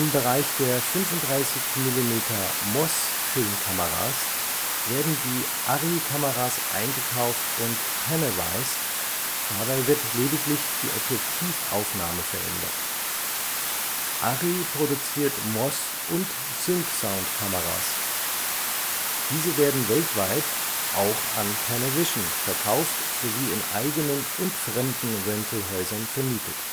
Bereich der 35-mm-MOS-Filmkameras werden die Arri-Kameras eingekauft und „ panavized “, dabei wird lediglich die Objektivaufnahme verändert. Arri produziert MOS - und SyncSound Kameras. Diese werden weltweit – auch an Panavision – verkauft sowie in eigenen und fremden Rentalhäusern vermietet